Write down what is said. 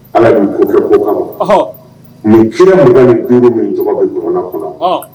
Ala' ko ko kama munfin ni g min tɔgɔ bɛ jɔn kɔnɔ